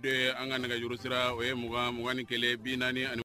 An ka nɛgɛ sira o ye 2 2 ni kɛlɛ bin naani